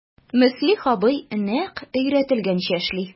Мөслих абый нәкъ өйрәтелгәнчә эшли...